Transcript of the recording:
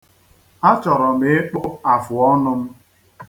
Achọrọ m ịkpụ afụọnụ m.